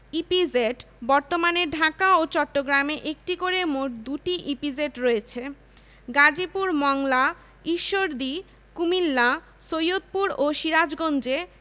একটি করে ইপিজেড প্রতিষ্ঠার পরিকল্পনা রয়েছে চট্টগ্রামে একটি কোরিয়ান ইপিজেড প্রতিষ্ঠার উদ্দেশ্যে বাংলাদেশ ও কোরিয়ার মধ্যে রাষ্ট্রীয় পর্যায়ে চুক্তি স্বাক্ষরিত হয়েছে